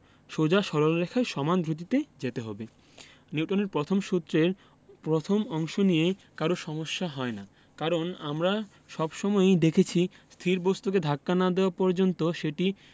সোজা সরল রেখায় সমান দ্রুতিতে যেতে হবে নিউটনের প্রথম সূত্রের প্রথম অংশ নিয়ে কারো সমস্যা হয় না কারণ আমরা সব সময়ই দেখেছি স্থির বস্তুকে ধাক্কা না দেওয়া পর্যন্ত সেটি